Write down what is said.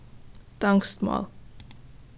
danskt mál